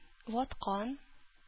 Ваткан